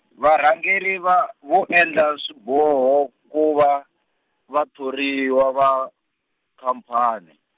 varhangeri va- vo endla swiboho ku va, vathoriwa va, khamphani.